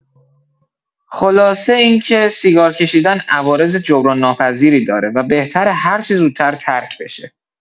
خلاصه اینکه، سیگار کشیدن عوارض جبران‌ناپذیری داره و بهتره هرچه زودتر ترک بشه.